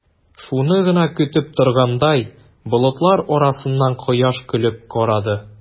Шуны гына көтеп торгандай, болытлар арасыннан кояш көлеп карады.